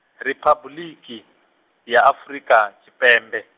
Riphabuḽiki, ya Afrika, Tshipembe.